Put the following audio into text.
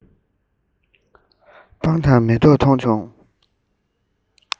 སྤང དང མེ ཏོག མཐོང བྱུང